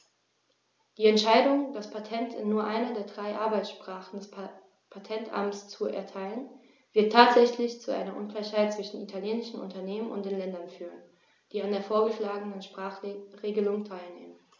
Die Entscheidung, das Patent in nur einer der drei Arbeitssprachen des Patentamts zu erteilen, wird tatsächlich zu einer Ungleichheit zwischen italienischen Unternehmen und den Ländern führen, die an der vorgeschlagenen Sprachregelung teilnehmen.